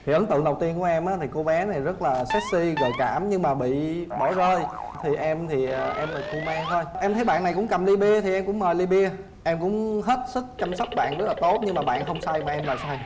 thì ấn tượng đầu tiên của em á thì cô bé này rất là xéc xi gợi cảm nhưng mà bị bỏ rơi thì em thì em được cưu mang thôi em thấy bạn này cũng cầm ly bia thì em cũng mời ly bia em cũng hớt sức chăm sóc bạn rất là tốt nhưng mà bạn không say còn em lại say